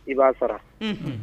I b'a sara. Unhun!